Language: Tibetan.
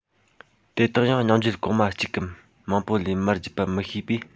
དེ དག ཡང སྙིང རྒྱུད གོང མ གཅིག གམ མང པོ ལས མར བརྒྱུད པ མི ཤེས པས